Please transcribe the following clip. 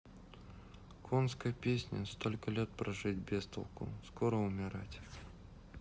конская песня сколько лет прожить бестолку скоро умирать